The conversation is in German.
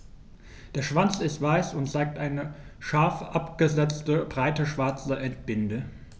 Der Schwanz ist weiß und zeigt eine scharf abgesetzte, breite schwarze Endbinde.